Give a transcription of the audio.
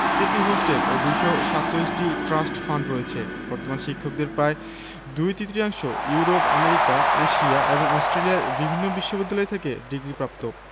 ৩টি হোস্টেল ও ২৪৭টি ট্রাস্ট ফান্ড রয়েছে বর্তমান শিক্ষকদের প্রায় দুই তৃতীয়াংশ ইউরোপ আমেরিকা এশিয়া এবং অস্ট্রেলিয়ার বিভিন্ন বিশ্ববিদ্যালয় থেকে ডিগ্রিপ্রাপ্ত